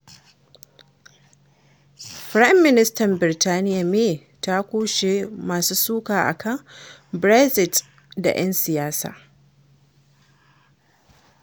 Firaministan Birtaniyya May ta kushe masu suka a kan Brexit da ‘yin siyasa’